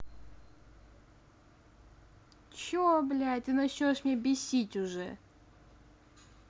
че блядь ты начнешь мне бесить уже